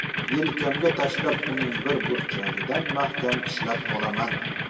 yelkamga tashlab uning bir burchagidan mahkam tishlab olaman